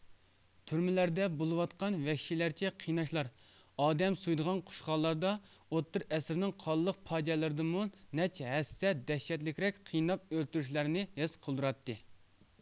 تۈرمىلەردە بولۇۋاتقان ۋەھشىيلەرچە قىيناشلار ئادەم سويىدىغان قۇشخانىلاردا ئوتتۇرا ئەسىرنىڭ قانلىق پاجىئەلىرىدىنمۇ نەچچە ھەسسە دەھشەتلىكرەك قىيناپ ئۆلتۈرۈشلەرنى ھېس قىلدۇراتتى